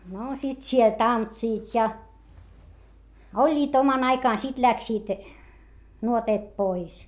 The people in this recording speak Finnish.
no sitten siellä tanssivat ja olivat oman aikansa sitten lähtivät nuoteet pois